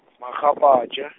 Makgapatše.